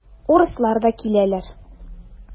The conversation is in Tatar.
Урыслар да киләләр.